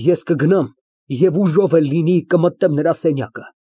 Ես կգնամ և ուժով էլ լինի՝ կմտնեմ նրա սենյակը։